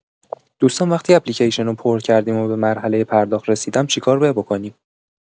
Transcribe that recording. دوستان وقتی اپلیکیشنو پر کردیم و به مرحله پرداخت رسیدم چیکار باید بکنیم؟